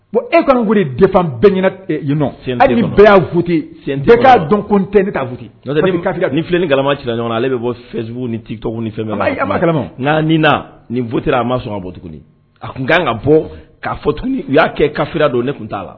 Bon e kɔni de bɛɛte'a dɔn ko tɛ ne kati nin filɛ ni gama ci ɲɔgɔn na ale bɛ bɔ fɛn z ni fɛnma n' ninra a ma sɔn ka bɔ a tun ka kan ka bɔ' fɔt u y'a kɛ ka don ne tun t'a la